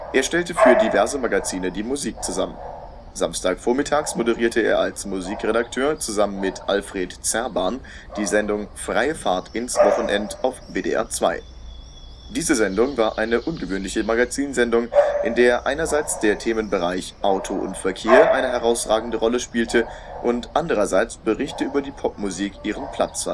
Er stellte für diverse Magazine die Musik zusammen. Samstagvormittags moderierte er als Musikredakteur zusammen mit Alfred Zerban die Sendung Freie Fahrt ins Wochenend auf WDR 2. Diese Sendung war eine ungewöhnliche Magazinsendung, in der einerseits der Themenbereich Auto und Verkehr eine herausragende Rolle spielte und andererseits Berichte über die Popmusik ihren Platz